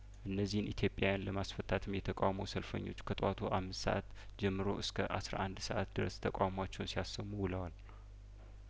እነዚህን ኢትዮጵያን ለማስፈታትም የተቃውሞ ሰልፈኞቹ ከጠዋቱ አምስት ሰአት ጀምሮ እስከ አስራ አንድ ሰአት ድረስ ተቃውሟቸውን ሲያሰሙ ውለዋል